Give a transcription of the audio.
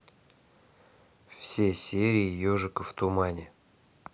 все серии ежика в тумане